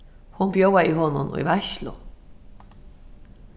hon bjóðaði honum í veitslu